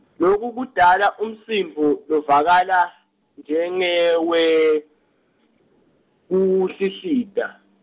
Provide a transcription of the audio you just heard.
Loku kudala umsindvo, lovakala, njengewekuhlihlita.